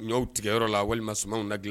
N y'aw tigɛyɔrɔ la walima sumaworow na den